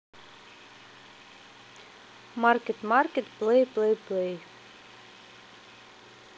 маркет маркет play play play